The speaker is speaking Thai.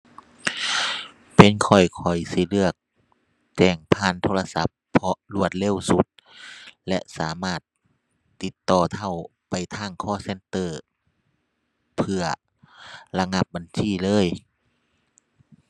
เป็นข้อย ข้อยสิเลือกแจ้งผ่านโทรศัพท์เพราะรวดเร็วสุด และสามารถติดต่อทางเราไปทาง call center เพื่อ ระงับบัญชีเลย